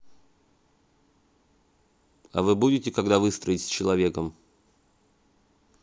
а вы будете когда выстроить с человеком